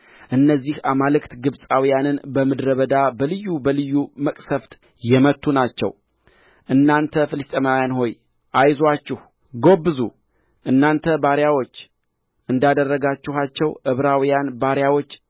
እነዚህ አማልክት ግብጻውያንን በምድረ በዳ በልዩ በልዩ መቅሠፍት የመቱ ናቸው እናንተ ፍልስጥኤማውያን ሆይ አይዞአችሁ ጎብዙ እናንተ ባሪያዎች